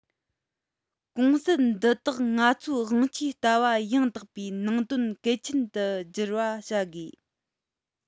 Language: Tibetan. གོང གསལ འདི དག ང ཚོའི དབང ཆའི ལྟ བ ཡང དག པའི ནང དོན གལ ཆེན དུ འགྱུར བར བྱ དགོས